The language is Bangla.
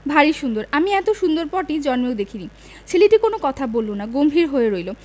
ভারী সুন্দর আমি এত সুন্দর পটি জন্মেও দেখিনি ছেলেটি কোন কথা বলল না গম্ভীর হয়ে রইল